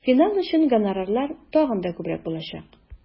Финал өчен гонорарлар тагын да күбрәк булачак.